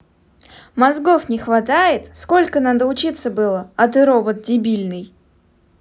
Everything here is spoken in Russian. мозгов не хватает сколько надо учиться было а ты робот дебильный